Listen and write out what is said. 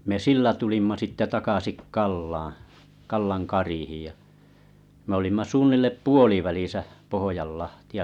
ja me sillä tulimme sitten takaisin Kallaan Kallan kariin ja me olimme suunnilleen puolivälissä Pohjanlahtea